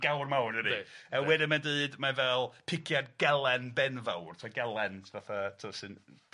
gawr mawr yndydi. Reit. Yy wedyn mae'n deud mae fel pigiad galen benfawr t'o galen fatha t'o' sy'n